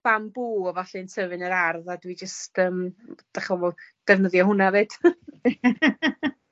bambŵ a fallu'n tyfu'n yr ardd a dwi jyst yym dach wmbo defnyddio hwnna fyd.